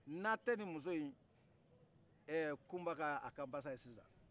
n'aw tɛ nin muso in ɛ kunba k'a kanpasa ye sisan